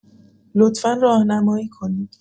لطفا راهنمایی کنید